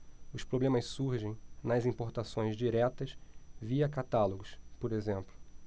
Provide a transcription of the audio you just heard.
os problemas surgem nas importações diretas via catálogos por exemplo